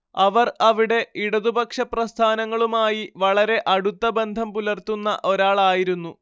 അവർ അവിടെ ഇടതുപക്ഷപ്രസ്ഥാനങ്ങളുമായി വളരെ അടുത്ത ബന്ധം പുലർത്തുന്ന ഒരാളായിരുന്നു